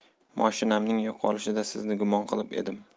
moshinamning yo'qolishida sizni gumon qilib edim